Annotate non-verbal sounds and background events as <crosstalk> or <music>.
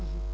<hesitation> <hesitation>